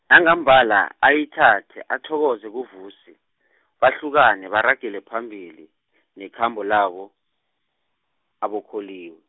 nangambala ayithathe athokoze kuVusi, bahlukane baragele phambili, nekhambo labo, aboKholiwe.